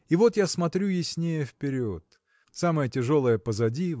И вот я смотрю яснее вперед: самое тяжелое позади